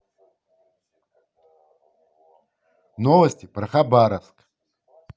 новости про хабаровск